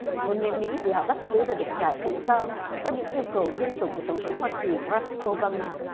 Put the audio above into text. một người mỹ bị họ bắt giữ đã được trả tự do sau những yêu cầu liên tục của tổng thống hoa kỳ ba rắc ô ba ma